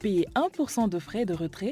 Puis 1%de frais de retrait